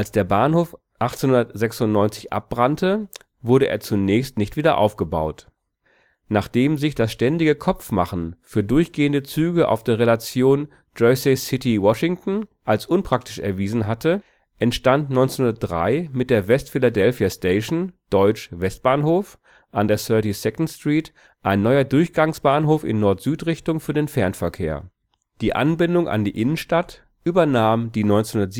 der Bahnhof 1896 abbrannte, wurde er zunächst nicht wieder aufgebaut. Nachdem sich das ständige Kopfmachen für durchgehende Züge auf der Relation Jersey City – Washington D. C. als unpraktisch erwiesen hatte, entstand 1903 mit der West Philadelphia Station (deutsch: „ Westbahnhof “) an der 32nd Street ein neuer Durchgangsbahnhof in Nord-Süd-Richtung für den Fernverkehr. Die Anbindung an die Innenstadt übernahm die 1907